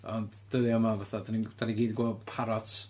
Ond dyddiau yma fatha dan dan ni gyd yn gweld parots.